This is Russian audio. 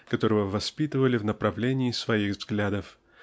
которого воспитывали в направлении своих взглядов